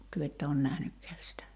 te ette ole nähnytkään sitä